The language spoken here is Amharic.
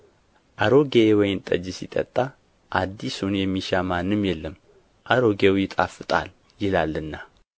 አሮጌ የወይን ጠጅ ሲጠጣ አዲሱን የሚሻ ማንም የለም አሮጌው ይጣፍጣል ይላልና